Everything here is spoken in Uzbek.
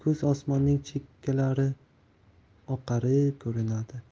kuz osmonining chekkalari oqarib ko'rinadi